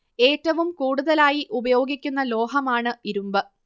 ഏറ്റവും കൂടുതലായി ഉപയോഗിക്കുന്ന ലോഹമാണ് ഇരുമ്പ്